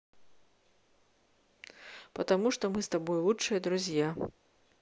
потому что мы с тобой лучшие друзья